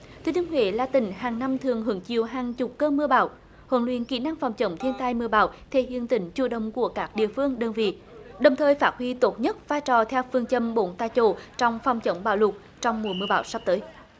thừa thiên huế là tỉnh hàng năm thường hứng chịu hàng chục cơn mưa bão huấn luyện kỹ năng phòng chống thiên tai mưa bão thể hiện tính chủ động của các địa phương đơn vị đồng thời phát huy tốt nhất vai trò theo phương châm bốn tại chỗ trong phòng chống bão lụt trong mùa mưa bão sắp tới